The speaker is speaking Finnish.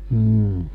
mm